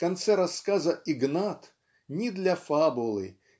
в конце рассказа "Игнат" ни для фабулы